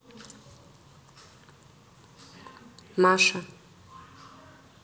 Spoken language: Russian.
маша